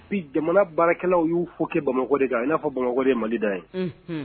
Bi jamana baarakɛlaw y'u fo kɛ bamakɔ de kan i n'a fɔ bamakɔ malida ye